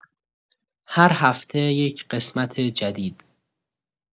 هر هفته یک قسمت جدید.